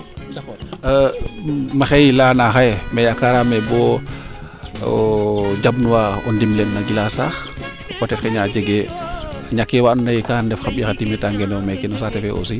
d' accord maxey leya na xaye to yaakaraame booo jamb nuwa o ndimle o jila saax peut etre xayna jegee ñakee waa ando naye gaa ndef xa mbiy xa time ta ngenoyo mene no saate fee aussi